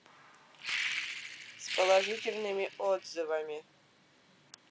с положительными отзывами